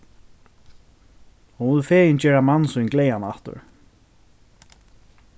hon vil fegin gera mann sín glaðan aftur